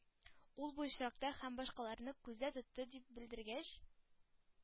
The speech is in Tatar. Ул бу очракта һәм башкаларны күздә тотты дип белдергәч,